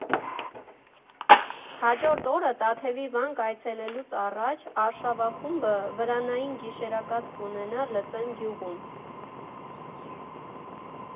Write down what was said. Հաջորդ օրը՝ Տաթևի վանք այցելելուց առաջ, արշավախումբը վրանային գիշերակաց կունենա Լծեն գյուղում։